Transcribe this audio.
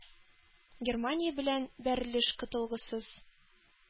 Германия белән бәрелеш котылгысыз